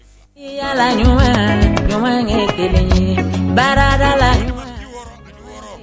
Miniyan yaa ɲuman baarada la yo